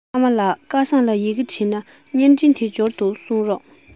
ཨ མ ལགས སྐལ བཟང ལ ཡི གེ བསྐུར ན བརྙན འཕྲིན དེ འབྱོར འདུག གསུངས རོགས